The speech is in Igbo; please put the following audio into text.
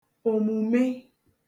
òmùme